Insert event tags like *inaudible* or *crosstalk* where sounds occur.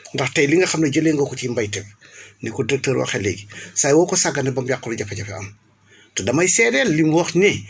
ndax tey li nga xam ne jëlee nga ko ci mbéyteef *breath* ni ko docteur waxee léegi *breath* saa yoo ko saganee ba mu yàqu rek jafé-jafe am te damay seedeel li mu wax ni